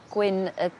gwyn y